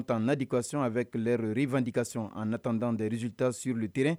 Tout en adequation avec leur revendication en attendant les resultats sur le terrain